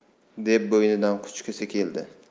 deb bo'ynidan quchgisi keldi